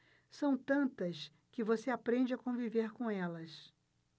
são tantas que você aprende a conviver com elas